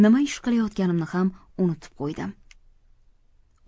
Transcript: nima ish qilayotganimni ham unutib qo'ydim